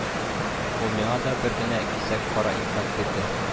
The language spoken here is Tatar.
Ул миңа да бер генә кисәк кара икмәк бирде